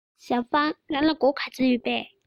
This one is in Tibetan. ཞའོ ཧྥང རང ལ སྒོར ག ཚོད ཡོད པས